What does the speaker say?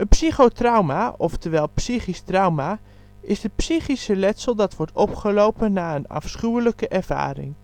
psychotrauma oftewel psychisch trauma is het psychische letsel dat wordt opgelopen na een afschuwelijke ervaring